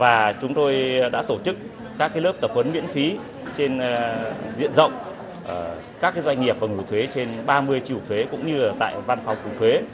và chúng tôi đã tổ chức các lớp tập huấn miễn phí trên diện rộng ở các cái doanh nghiệp nộp thuế trên ba mươi chi cục thuế cũng như ở tại văn phòng cục thuế